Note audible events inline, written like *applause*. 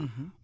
*hesitation* *hesitation*